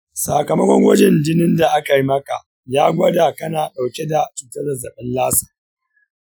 sakamakon gwajin jinin da aka maka ya gwada kana dauke cutar zazzafin lassa.